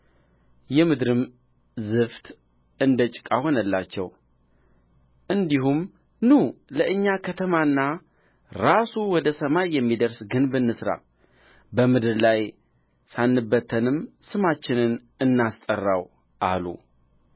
የምድርም ዝፋት እንደ ጭቃ ሆነችላቸው እንዲህም ኑ ለእኛ ከተማና ራሱ ወደ ሰማይ የሚደርስ ግንብ እንሥራ በምድር ላይ ሳንበተንም ስማችንን እናስጠራው አሉ